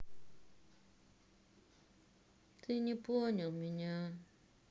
ты не понял меня